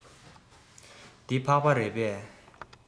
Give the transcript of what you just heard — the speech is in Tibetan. འདི ཕག པ རེད པས